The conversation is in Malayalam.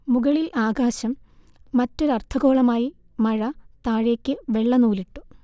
മുകളിൽ ആകാശം, മറ്റൊരർദ്ധഗോളമായി മഴ താഴേക്ക് വെള്ളനൂലിട്ടു